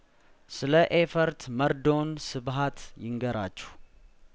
ስለኤፈርት መርዶውን ስብሀት ይንገራችሁ